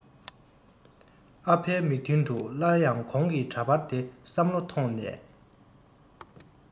ཨ ཕའི མིག མདུན དུ སླར ཡང གོང གི འདྲ པར དེ བསམ བློ ཐོངས ནས